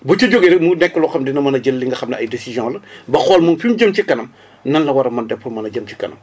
bu ci jógee rek mu nekk loo xam dina mën a jël li nga xam ne ay décisions la ba xool moom fi mu jëm ci kanam nan la war a mën a def pour mën a jëm ci kanam